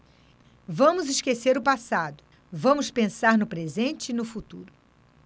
vamos esquecer o passado vamos pensar no presente e no futuro